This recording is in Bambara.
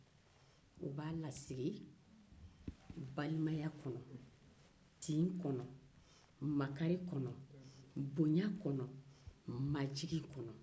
u b'a lasigi balimaya kɔnɔ tin kɔnɔ makari kɔnɔ bonya kɔnɔ majigin kɔnɔ